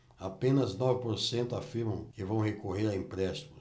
apenas nove por cento afirmam que vão recorrer a empréstimos